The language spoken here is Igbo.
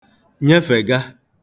nyefèga